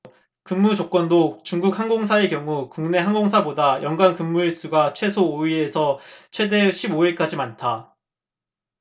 근무조건도 중국 항공사의 경우 국내 항공사보다 연간 근무 일수가 최소 오 일에서 최대 십 오 일까지 많다